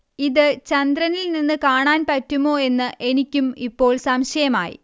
ഇതു ചന്ദ്രനിൽ നിന്നു കാണാൻ പറ്റുമോയെന്ന് എനിക്കും ഇപ്പോൾ സംശയമായി